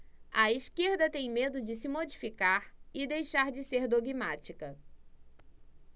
a esquerda tem medo de se modificar e deixar de ser dogmática